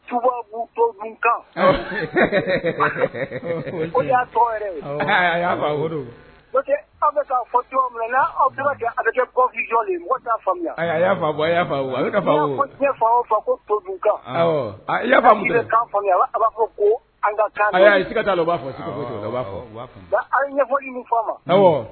A tɔgɔ que an bɛ taa fɔ tu fa to dun a faamuya fɔ ko an ɲɛfɔ faa